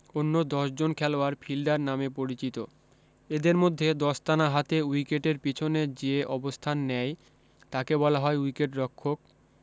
অন্য দশজন খেলোয়াড় ফিল্ডার নামে পরিচিত এদের মধ্যে দস্তানা হাতে উইকেটের পিছনে যে অবস্থান নেয় তাকে বলা হয় উইকেটরক্ষক